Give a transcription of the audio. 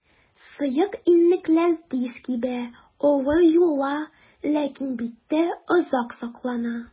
Сыек иннекләр тиз кибә, авыр юыла, ләкин биттә озак саклана.